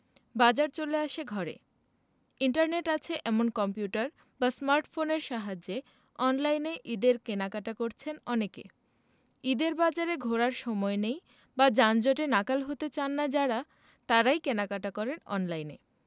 বাজার চলে আসে ঘরে ইন্টারনেট আছে এমন কম্পিউটার বা স্মার্টফোনের সাহায্যে অনলাইনে ঈদের কেনাকাটা করছেন অনেকে ঈদের বাজারে ঘোরার সময় নেই বা যানজটে নাকাল হতে চান না যাঁরা তাঁরাই কেনাকাটা করেন অনলাইনে